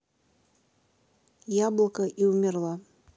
яблоко и умерла